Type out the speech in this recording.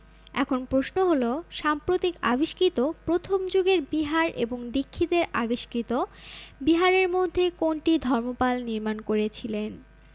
এখন প্রশ্ন হলো সাম্প্রতিক আবিষ্কৃত প্রথম যুগের বিহার এবং দীক্ষিতের আবিষ্কৃত বিহারের মধ্যে কোনটি ধর্মপাল নির্মাণ করেছিলেন